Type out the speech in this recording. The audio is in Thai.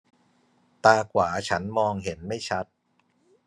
ตาขวาฉันมองเห็นไม่ชัด